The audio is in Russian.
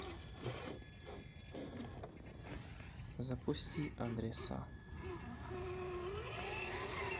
запусти адреса